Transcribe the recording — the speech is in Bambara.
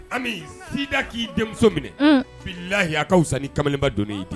Ami sida k'i denmuso minɛ, un, bilayi a ka fisa ni kamalenba dɔnnen ye